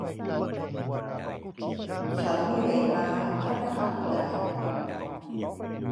ฉันเหนื่อยล้าแทบขาดใจ